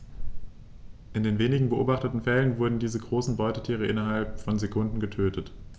In den wenigen beobachteten Fällen wurden diese großen Beutetiere innerhalb von Sekunden getötet.